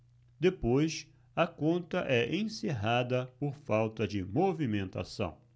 depois a conta é encerrada por falta de movimentação